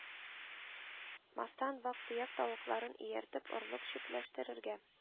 Мастан, вак-төяк тавыкларын ияртеп, орлык чүпләштерергә